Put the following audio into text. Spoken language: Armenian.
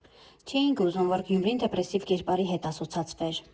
Չէինք ուզում, որ Գյումրին դեպրեսիվ կերպարի հետ ասոցացվեր։